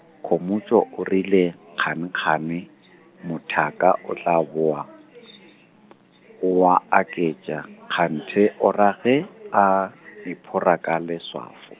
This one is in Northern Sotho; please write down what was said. Khomotšo o rile kganekgane, mothaka o tla boa , oa aketša, kganthe o ra ge a, iphora ka leswafo.